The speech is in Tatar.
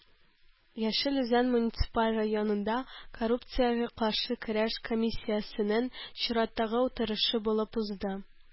Яшел Үзән муниципаль районында коррупциягә каршы көрәш комиссиясенең чираттагы утырышы булып узды.